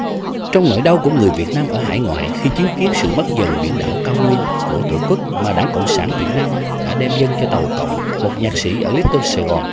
trong nỗi đau của người việt nam ở hải ngoại khi chứng kiến sự mất dần biển đảo cao nguyên của tổ quốc mà đảng cộng sản việt nam đã đem dâng cho tổ cộng một nhạc sĩ ở lít tô sài gòn